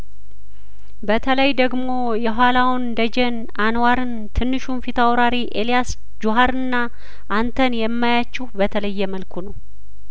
በተለይ ደግሞ የኋላውን ደጀን አንዋርን ትንሹን ፊታውራሪ ኤልያስ ጁሀርና አንተን የማያችሁ በተለየ መልኩ ነው